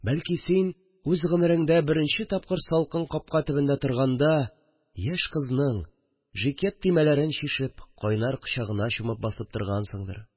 Бәлки син үз гомереңдә беренче тапкыр салкын капка төбендә торганда яшь кызның жикет төймәләрен чишеп, кайнар кочагына чумып басып торгансыңдыр